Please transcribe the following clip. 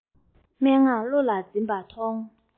མན ངག བློ ལ འཛིན པ མཐོང